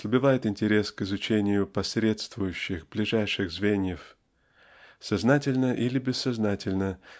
ослабевает интерес к изучению посредствующих ближайших звеньев. Сознательно или бессознательно